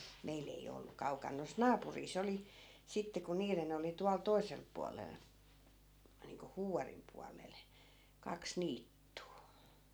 meillä ei ole ollut kaukana noissa naapureissa oli sitten kun niiden oli tuolla toisella puolella niin kuin Huuvarin puolella kaksi niittyä